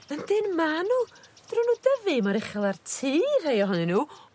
Ydyn ma' n'w 'drwn n'wdyfu mor uchel â'r y tŷ rhei ohonyn n'w